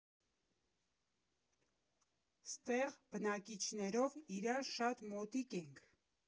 «Ստեղ բնակիչներով իրար շատ մոտիկ ենք»